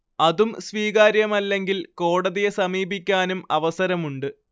അതും സ്വീകാര്യമല്ലെങ്കിൽ കോടതിയെ സമീപിക്കാനും അവസരമുണ്ട്